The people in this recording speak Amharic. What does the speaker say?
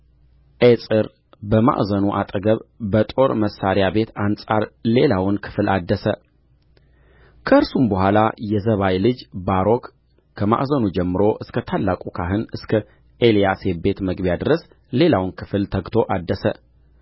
ኤጽር በማዕዘኑ አጠገብ በጦር መሣሪያ ቤት አንጻር ሌላውን ክፍል አደሰ ከእርሱም በኋላ የዘባይ ልጅ ባሮክ ከማዕዘኑ ጀምሮ እስከ ታላቁ ካህን እስከ ኤልያሴብ ቤት መግቢያ ድረስ ሌላውን ክፍል ተግቶ አደሰ